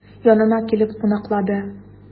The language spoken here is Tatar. Янына килеп кунаклады.